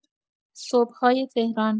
صبح‌های تهران